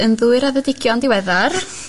yn ddwy o raddodigion diweddar